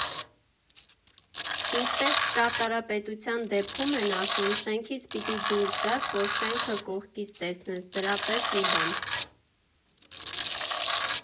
Ինչպես ճարտարապետության դեպքում են ասում, շենքից պիտի դուրս գաս, որ շենքը կողքից տեսնես, դրա պես մի բան։